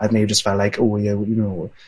a oedd neb jyst fel like o yeah well you know.